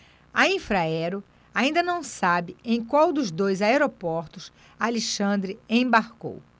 a infraero ainda não sabe em qual dos dois aeroportos alexandre embarcou